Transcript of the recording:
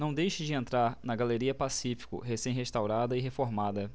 não deixe de entrar na galeria pacífico recém restaurada e reformada